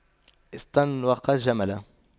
استنوق الجمل